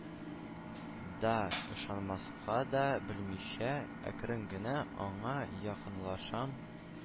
Да, ышанмаска да белмичә, әкрен генә аңа якынлашам